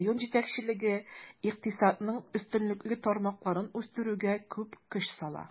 Район җитәкчелеге икътисадның өстенлекле тармакларын үстерүгә күп көч сала.